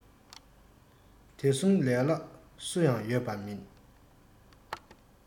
དེ གསུམ ལས ལྷག སུ ཡང ཡོད པ མིན